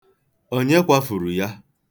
Onye kwafuru ya?